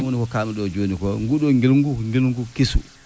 ɗum woni ko kaalmi ɗoo jooni ko nguun ɗoon ngilngu ko ngilngu kesu